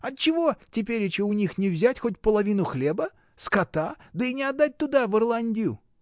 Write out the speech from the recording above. Отчего теперича у них не взять хоть половину хлеба, скота да и не отдать туда, в Ирландию?